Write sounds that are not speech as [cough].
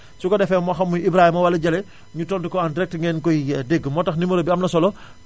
[inhales] su ko defee moo xam muy Ibrahima wala Jalle ñu tontu ko en direct ngeen koy di [hesitation] dégg mooy tax numéro bi am na solo [inhales]